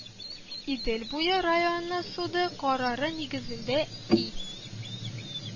Идел буе районы суды карары нигезендә, И